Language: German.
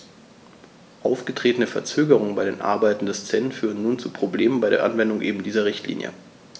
Aufgetretene Verzögerungen bei den Arbeiten des CEN führen nun zu Problemen bei der Anwendung eben dieser Richtlinie.